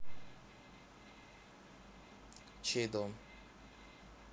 чей дом